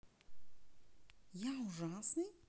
я ужасный